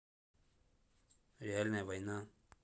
реальная война